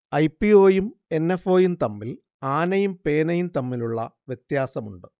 I. P. O യും N. F. O യും തമ്മിൽ ആനയും പേനയും തമ്മിലുള്ള വ്യത്യാസമുണ്ട്